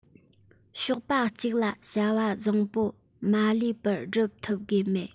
ཞོགས པ གཅིག ལ བྱ བ བཟང པོ མ ལུས པར སྒྲུབ ཐུབ དོགས མེད